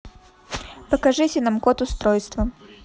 покажите нам код устройства